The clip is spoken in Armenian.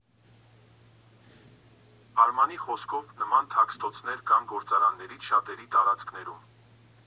Արմանի խոսքով, նման թաքստոցներ կան գործարաններից շատերի տարածքներում։